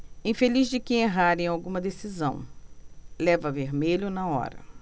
infeliz de quem errar em alguma decisão leva vermelho na hora